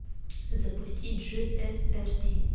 запусти джи эс эр ти